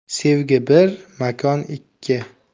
sevgi bir makon ikki